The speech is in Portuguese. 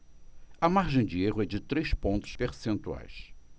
a margem de erro é de três pontos percentuais